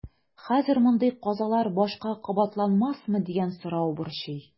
Хәзер мондый казалар башка кабатланмасмы дигән сорау борчый.